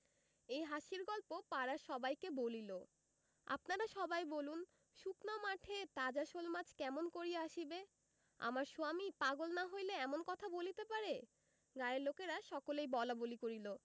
এই হাসির গল্প পাড়ার সবাইকে বলিল আপনারা সবাই বলুন শুকনা মাঠে তাজা শোলমাছ কেমন করিয়া আসিবে আমার সোয়ামী পাগল না হইলে এমন কথা বলিতে পারে গায়ের লোকেরা সকলেই বলাবলি করিল